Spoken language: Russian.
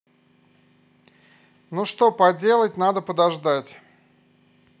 ну что поделать надо подождать